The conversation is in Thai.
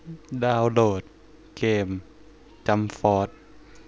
ดาวโหลดเกมจั้มฟอส